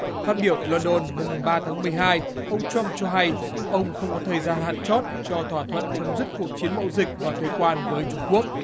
phát biểu tại luân đôn hôm mùng ba tháng mười hai ông trăm cho hay ông không có thời gian hạn chót cho thỏa thuận chấm dứt cuộc chiến mậu dịch và thuế quan với trung quốc